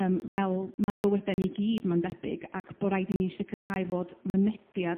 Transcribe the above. ym fel ma'n bywyde ni gyd ma'n debyg ag bo raid i ni sicrhau fod mynediad